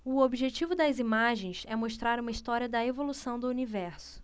o objetivo das imagens é mostrar uma história da evolução do universo